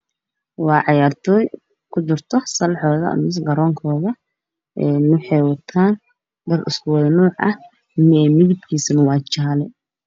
Waa ciyaar tooy ku jirto sala xooda waxey wataan waxey wataan dhar isku wada nooc ah midab kooda waa jaale